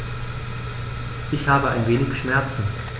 Ich habe ein wenig Schmerzen.